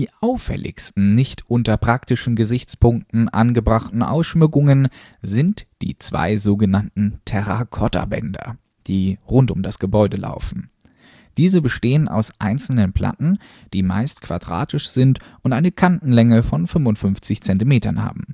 auffälligsten nicht unter praktischen Gesichtspunkten angebrachten Ausschmückungen sind die zwei so genannten Terrakottabänder, die rund um das Gebäude laufen. Diese bestehen aus einzelnen Platten, deren meiste quadratisch sind und eine Kantenlänge von 55 Zentimetern haben